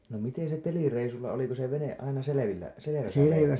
no miten se telireissulla oliko se vene aina selvillä selvässä vedessä